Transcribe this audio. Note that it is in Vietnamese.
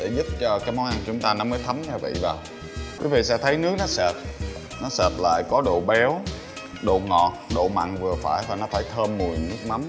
để giúp cho món ăn của chúng ta nó mới thấm gia vị vào quý vị sẽ thấy nước nó sệt nó sệt lại có độ béo độ ngọt độ mặn vừa phải và nó phải thơm mùi nước mắm